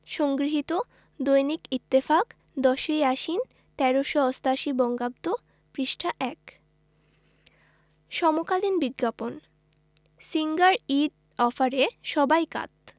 সংগৃহীত দৈনিক ইত্তেফাক ১০ই আশ্বিন ১৩৮৮ বঙ্গাব্দ পৃষ্ঠা ১ সমকালীন বিজ্ঞাপন সিঙ্গার ঈদ অফারে সবাই কাত